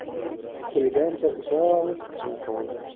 tikilgancha uzoq jim qoldi